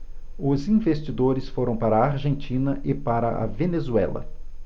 os investidores foram para a argentina e para a venezuela